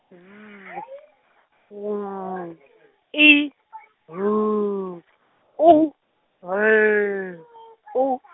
M W I N U L U.